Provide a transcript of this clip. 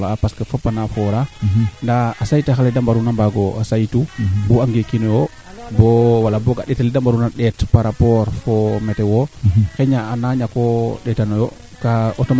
i ndeet luwa ye o axo leeke ten jagru fo'a teɓa keeke xayana o axo laana awa tax bo no ndiing lakas ne na gariida fo xoxof eau lieu o duufa o axo leŋ